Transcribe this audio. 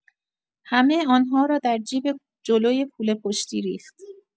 همه آن‌ها را در جیب جلوی کوله‌پشتی ریخت.